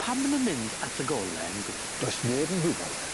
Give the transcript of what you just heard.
Pam ma' nw'n mynd at y gole yn g-. Does neb yn gwybod.